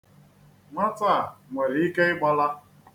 Nwata a nwere ike ịgbala.